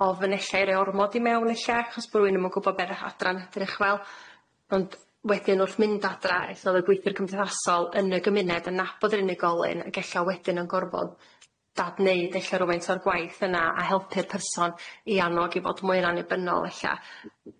ofn ella i roi ormod i mewn ella achos bo' rywun ddim yn gwbo be' adran yn edrych fel, ond wedyn wrth mynd adra eitha o'dd y gweithiwr cymdeithasol yn y gymuned yn nabod yr unigolyn ag ella wedyn yn gorfod dadneud ella rwfaint o'r gwaith yna a helpu'r person i annog i fod mwy'n annibynnol ella yym